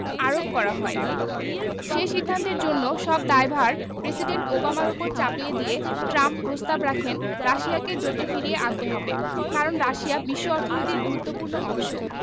আরোপ করা হয় সে সিদ্ধান্তের জন্য সব দায়ভার প্রেসিডেন্ট ওবামার ওপর চাপিয়ে দিয়ে ট্রাম্প প্রস্তাব রাখেন রাশিয়াকে জোটে ফিরিয়ে আনতে হবে কারণ রাশিয়া বিশ্ব অর্থনীতির গুরুত্বপূর্ণ অংশ